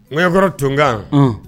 Ŋyɔkɔrɔ tunkan